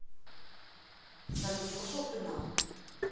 салют пошел ты нахуй